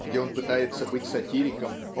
где он пытается быть сатириком